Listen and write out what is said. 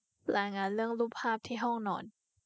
รายงานเรื่องรูปภาพที่ห้องนอน